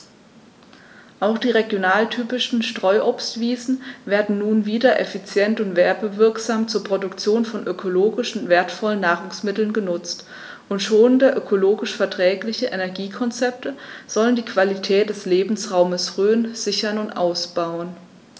Auch die regionaltypischen Streuobstwiesen werden nun wieder effizient und werbewirksam zur Produktion von ökologisch wertvollen Nahrungsmitteln genutzt, und schonende, ökologisch verträgliche Energiekonzepte sollen die Qualität des Lebensraumes Rhön sichern und ausbauen.